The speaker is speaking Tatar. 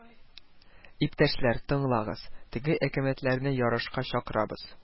Иптәшләр, тыңлагыз, теге әкәмәтләрне ярышка чакырабыз